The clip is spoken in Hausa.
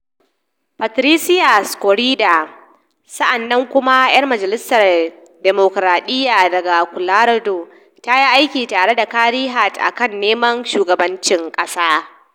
Patricia Schroeder, sa'an nan kuma yar majalisar dimokuradiyya daga Colorado, ta yi aiki tare da Gary Hart a kan neman shugabancin kasa.